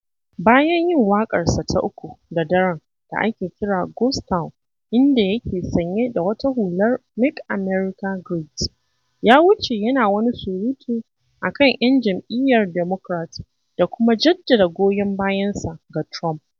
Bayan yin waƙarsa ta uku da daren, da ake kira Ghost Town inda yake sanye da wata hular Make America Great, ya wuce yana wani surutu a kan 'yan jam'iyyar Democrat da kuma jaddada goyon bayansa ga Trump.